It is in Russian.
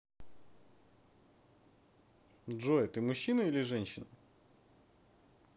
джой ты мужчина или женщина